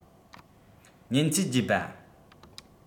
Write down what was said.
གཉན ཚད རྒྱས པ